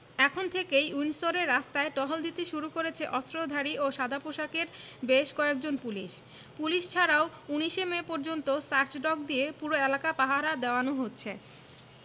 এখন থেকেই উইন্ডসরের রাস্তায় টহল দিতে শুরু করেছে অস্ত্রধারী ও সাদাপোশাকের বেশ কয়েকজন পুলিশ পুলিশ ছাড়াও ১৯ শে মে পর্যন্ত সার্চ ডগ দিয়ে পুরো এলাকা পাহারা দেওয়ানো হচ্ছে